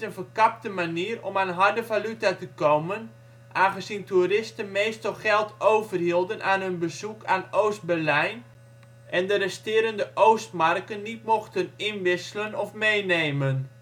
verkapte manier om aan harde valuta te komen, aangezien toeristen meestal geld overhielden aan hun bezoek aan Oost-Berlijn en de resterende Ostmarken niet mochten inwisselen of meenemen